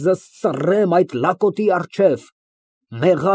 ԲԱԳՐԱՏ ֊ (Կանգնելով հայելու առջև, որ փողկապն ուղղի)։ Տեխնոլոգիաների երեկույթ։